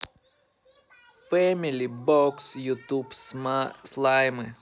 фэмили бокс ютуб слаймы